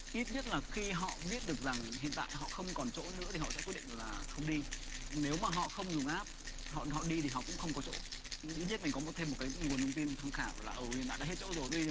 ít nhất là khi họ biết được rằng hiện tại họ không còn chỗ nữa thì họ sẽ quyết định là không đi nếu mà họ không dùng áp bọn họ đi thì họ cũng không có chỗ ít nhất mình có mua thêm một cái nguồn thông tin tham khảo là hết chỗ rồi bây